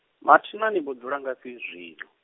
mathina ni vho dzula ngafhi zwino?